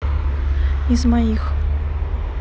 из моих